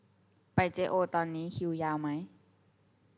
ไปเจ๊โอวตอนนี้คิวยาวมั้ย